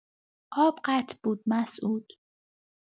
آب قطع بود مسعود!